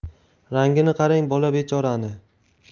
rangini qarang bola bechorani